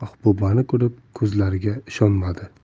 mahbubani ko'rib ko'zlariga ishonmadi